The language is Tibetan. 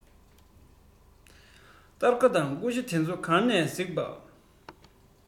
སྟར ཁ དང ཀུ ཤུ དེ ཚོ ག ནས གཟིགས པྰ